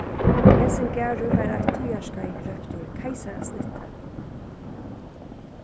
hesin garður varð eitt tíðarskeið róptur keisarasnittið